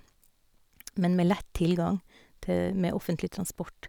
Men med lett tilgang te med offentlig transport.